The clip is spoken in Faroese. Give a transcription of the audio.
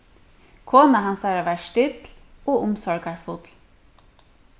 kona hansara var still og umsorgarfull